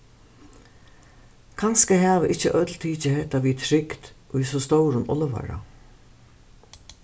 kanska hava ikki øll tikið hetta við trygd í so stórum álvara